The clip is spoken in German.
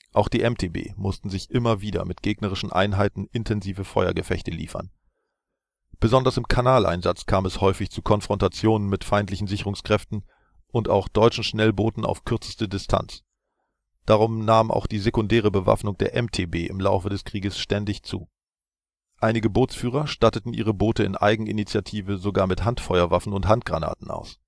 Auch die MTB mussten sich immer wieder mit gegnerischen Einheiten intensive Feuergefechte liefern. Besonders im Kanaleinsatz kam es häufig zu Konfrontationen mit feindlichen Sicherungskräften und auch deutschen Schnellbooten auf kürzeste Distanz, darum nahm auch die sekundäre Bewaffnung der MTB im Laufe des Krieges ständig zu. Einige Bootsführer statteten ihre Boote in Eigeninitiative sogar mit Handfeuerwaffen und Handgranaten aus